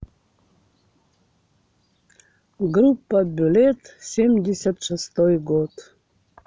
группа bullet семьдесят шестой год